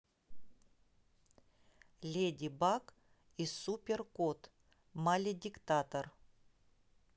леди баг и супер кот маледиктатор